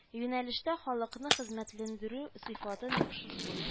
Нәлештә халыкны хезмәтләндерү сыйфатын яхшырту